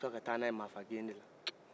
ka taa na ye ma faa gendela